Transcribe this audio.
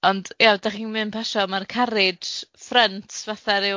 Ond ia 'da chi'n mynd pasho ma'r carij ffrynt fatha ryw